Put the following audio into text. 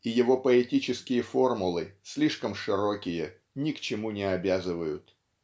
и его поэтические формулы слишком широкие ни к чему не обязывают.